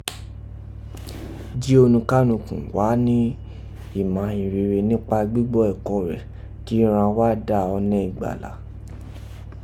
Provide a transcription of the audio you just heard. jí oníkánukù wa ni imà ihinrere nipa gbigbọ ẹ̀kọ́ re ji ghan wa dà ọnẹ ìgbàlà.